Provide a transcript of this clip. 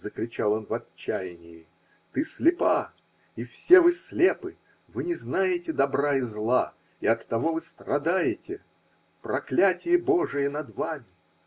-- закричал он в отчаянии, -- ты слепа, и все вы слепы, вы не знаете добра и зла и оттого вы страдаете. Проклятие Божие над вами!